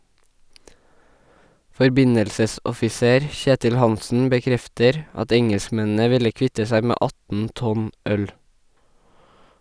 Forbindelsesoffiser Kjetil Hanssen bekrefter at engelskmennene ville kvitte seg med 18 tonn øl.